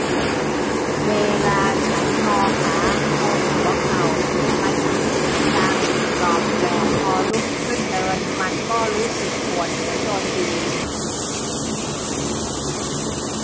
เวลาฉันงอขาตรงหัวเข่ามันมีเสียงดังกรอบแกรบพอลุกขึ้นเดินมันก็รู้สึกปวดเหมือนโดนบีบ